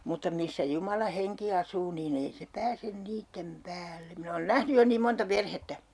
mutta missä Jumalan henki asuu niin ei se pääse niiden päälle minä olen nähnyt jo niin monta perhettä